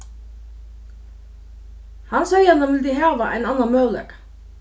hann segði at hann vildi hava ein annan møguleika